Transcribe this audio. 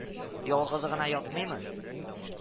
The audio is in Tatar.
— ялгызы гына ятмыймы